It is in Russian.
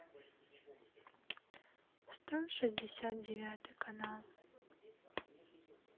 сто шестьдесят девятый канал